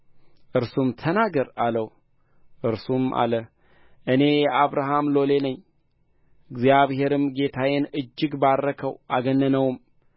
እርሱም ተናገር አለው እርሱም አለ እኔ የአብርሃም ሎሌ ነኝ እግዚአብሔርም ጌታዬን እጅግ ባረከው አገነነውም